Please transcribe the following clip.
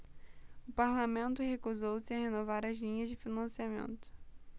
o parlamento recusou-se a renovar as linhas de financiamento